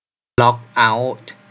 ล็อกเอาท์